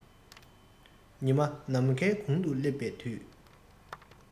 ཉི མ ནམ མཁའི དགུང དུ སླེབས པའི དུས